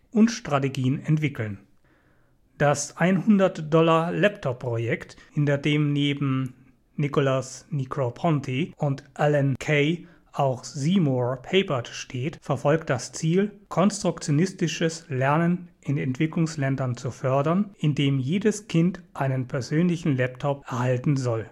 und Strategien entwickeln. Das 100-Dollar-Laptop-Projekt, hinter dem neben Nicholas Negroponte und Alan Kay auch Seymour Papert steht, verfolgt das Ziel, konstruktionistisches Lernen in Entwicklungsländern zu fördern, indem jedes Kind einen persönlichen Laptop erhalten soll